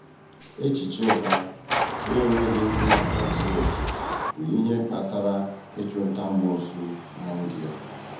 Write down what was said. Echiche ụgha na enweghị mmata zuru okè bụ ihe kpatara ịchụnta amoosu na India